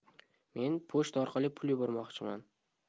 men pochta orqali pul yubormoqchiman